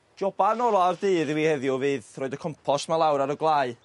Joban ola'r dydd i fi heddiw fydd roed y compost 'ma lawr ar y gwlau